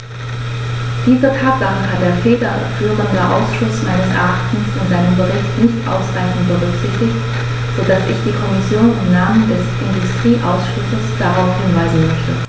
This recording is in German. Diese Tatsache hat der federführende Ausschuss meines Erachtens in seinem Bericht nicht ausreichend berücksichtigt, so dass ich die Kommission im Namen des Industrieausschusses darauf hinweisen möchte.